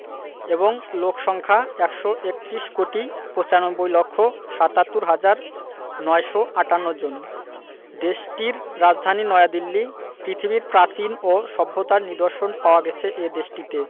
এবং লোক সংখ্যা ১৩১ কোটি ৯৫ লক্ষ ৭৭ হাজার ৯৫৮ জনদেশটির রাজধানী নয়াদিল্লী পৃথিবীর প্রাচীন ও সভ্যতার নিদর্শন পাওয়া গেছে এ দেশটিতে